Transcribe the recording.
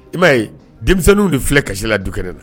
I m'a ye denmisɛnninw de filɛ kasisi la du kɛnɛ na